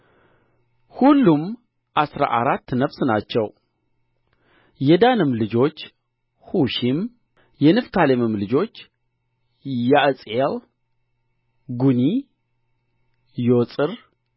ሹኒ ኤስቦን ዔሪ አሮዲ አርኤሊ የአሴርም ልጆች ዪምና